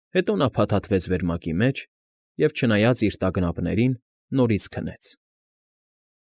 Հետո նա փաթաթվեց վերմակի մեջ և, չնայած իր տագնապներին, նորից քնեց։